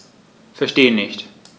Verstehe nicht.